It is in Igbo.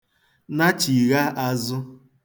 nachìgha āzụ̄